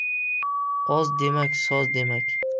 oz demak soz demak